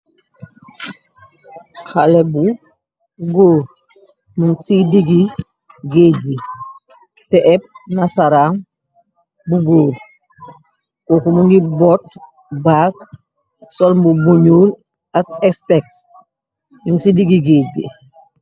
Xaleh bu goor ming ci digi gëej bi teh epp nasaran bu goor koku mungi boot bag sol mbubu bu nyuul ak especsi nyung ci digi gëej bi